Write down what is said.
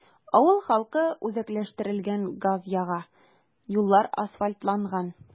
Авыл халкы үзәкләштерелгән газ яга, юллар асфальтланган.